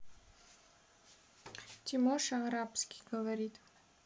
тимоша арабский говорит